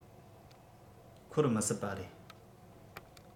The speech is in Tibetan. འཁོར མི སྲིད པ རེད